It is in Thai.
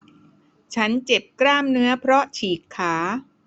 ฉันเจ็บกล้ามเนื้อเพราะฉีกขา